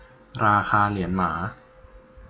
ราคาเหรียญหมา